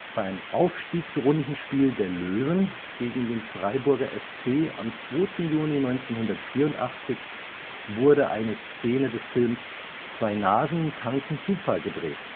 Beim Aufstiegsrundenspiel der Löwen gegen den Freiburger FC am 2. Juni 1984 wurde eine Szene des Films Zwei Nasen tanken Super gedreht